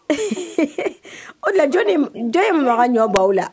O tɔla jɔni ye jɔn ye mama ka ɲɔ bɔn aw la